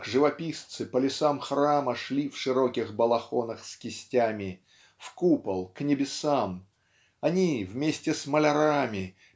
как живописцы по лесам храма шли в широких балахонах с кистями в купол к небесам они вместе с малярами